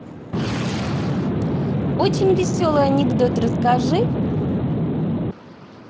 очень веселый анекдот расскажи